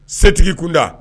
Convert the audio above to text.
Setigi kunda